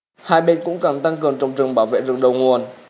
hai bên cũng cần tăng cường trồng rừng bảo vệ rừng đầu nguồn